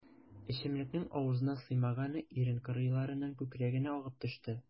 Эчемлекнең авызына сыймаганы ирен кырыйларыннан күкрәгенә агып төште.